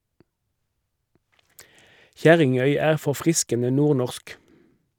Kjerringøy er forfriskende nordnorsk!